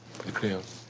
Ti crio?